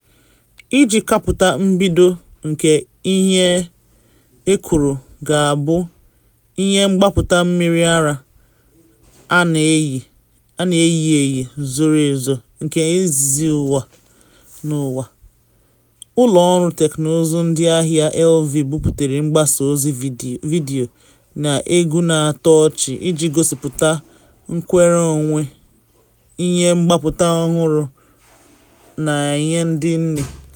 Iji kapụta mbido nke ihe ekwuru ga-abụ “ihe mgbapụta mmiri ara a na eyi eyi zoro ezo nke izizi n’ụwa,” ụlọ ọrụ teknụzụ ndi ahia Elvie buputere mgbasa ozi vidiyo na egwu na atọ ọchi iji gosipụta nnwere onwe ihe mgbapụta ọhụrụ ahụ na enye ndi nne.